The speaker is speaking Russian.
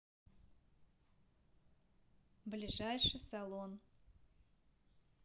ближайший салон